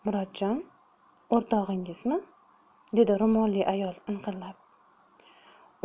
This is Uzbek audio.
murodjon o'rtog'ingizmi dedi ro'molli ayol inqillab